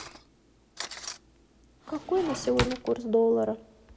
какой на сегодня курс доллара